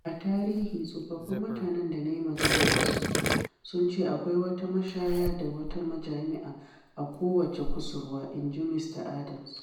“A tarihi, tsofaffin mutanen da na yi magana da su sun ce akwai wata mashaya da wata majami’a a kowace kusurwa,” Inji Mista Adams.